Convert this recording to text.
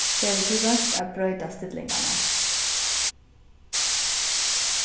hevur tú roynt at broyta stillingarnar